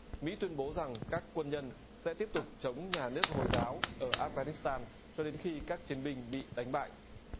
mỹ tuyên bố rằng các quân nhân sẽ tiếp tục chống nhà nước hồi giáo ở ác pa kít tan cho đến khi các chiến binh bị đánh bại